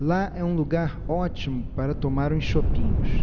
lá é um lugar ótimo para tomar uns chopinhos